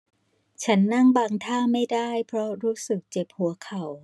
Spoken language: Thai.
ฉันนั่งบางท่าไม่ได้เพราะรู้สึกเจ็บหัวเข่า